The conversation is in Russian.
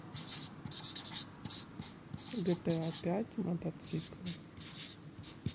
гта пять мотоциклы